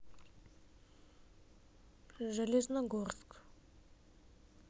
железногорск